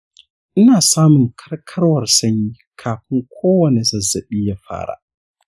ina samun karkarwar sanyi kafin kowane zazzaɓi ya fara.